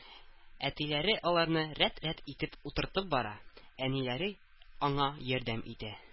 Әтиләре аларны рәт-рәт итеп утыртып бара, әниләре аңа ярдәм итә